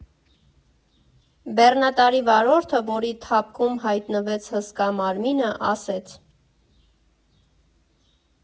Բեռնատարի վարորդը, որի թափքում հայնվեց հսկա մարմինը, ասեց.